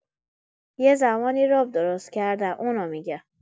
یه زمانی رب درست کردم اونو می‌گه